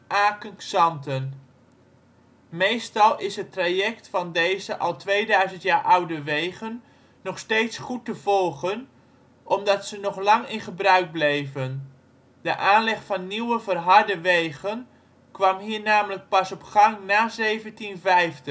Aken-Xanten Meestal is het traject van deze al 2000 jaar oude wegen nog steeds goed te volgen, omdat ze nog lang in gebruik bleven. De aanleg van nieuwe, verharde wegen kwam hier namelijk pas op gang na 1750. Het